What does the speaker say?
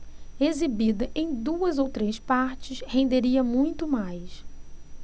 exibida em duas ou três partes renderia muito mais